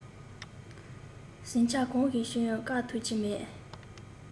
ཟིང ཆ གང ཞིག བྱུང ཡང བཀག ཐུབ ཀྱི མེད